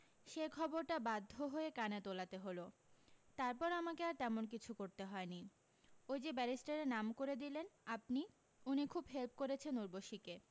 সেই খবরটা বাধ্য হয়ে কানে তোলাতে হলো তারপর আমাকে আর তেমন কিছু করতে হয়নি ওই যে ব্যারিষ্টারের নাম করে দিলেন আপনি উনি খুব হেল্প করেছেন ঊর্বশীকে